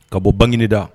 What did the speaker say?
Ka bɔ bangda